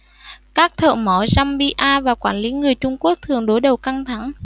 các thợ mỏ zambia và quản lý người trung quốc thường đối đầu căng thẳng